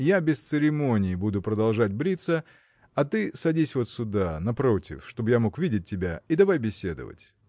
я без церемонии буду продолжать бриться а ты садись вот сюда – напротив чтобы я мог видеть тебя и давай беседовать.